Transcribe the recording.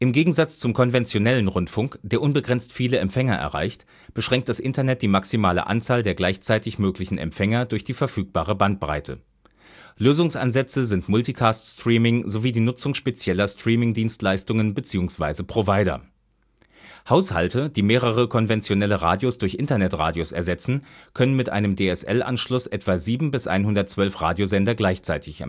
Gegensatz zum konventionellen Rundfunk, der unbegrenzt viele Empfänger erreicht, beschränkt das Internet die maximale Anzahl der gleichzeitig möglichen Empfänger durch die verfügbare Bandbreite. Lösungsansätze sind Multicast-Streaming sowie die Nutzung spezieller Streaming-Dienstleistungen beziehungsweise Provider. Haushalte, die mehrere konventionelle Radios durch Internet-Radios ersetzen, können mit einem DSL-Anschluss etwa 7 – 112 Radiosender gleichzeitig